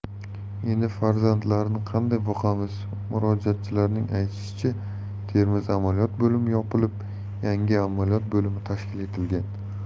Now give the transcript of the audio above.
endi farzandlarni qanday boqamiz murojaatchilarning aytishicha termiz amaliyot bo'limi yopilib yangi amaliyot bo'limi tashkil etilgan